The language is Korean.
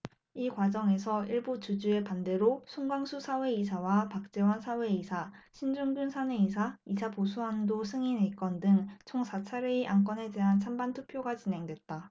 이 과정에서 일부 주주의 반대로 송광수 사외이사와 박재완 사외이사 신종균 사내이사 이사 보수한도 승인의 건 등 총 사 차례의 안건에 대한 찬반 투표가 진행됐다